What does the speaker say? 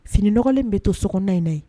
Finiɲɔgɔnlen bɛ to sok kɔnɔ in na yen